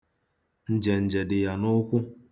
Njenje dị ya n'ụkwụ.